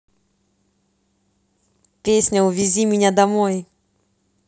песня увези меня домой